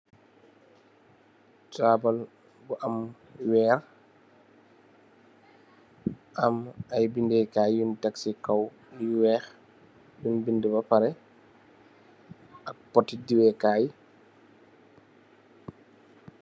Taabal bu am weer am ay bindy kay yin teck ci kaw yu weex yin bind bah pareh ak poti diwi kay.